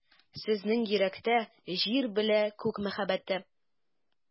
Сезнең йөрәктә — Җир белә Күк мәхәббәте.